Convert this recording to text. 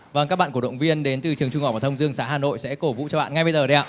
vâng các bạn cổ động viên đến từ trường trung học phổ thông dương xá hà nội sẽ cổ vũ cho bạn ngay bây giờ đây ạ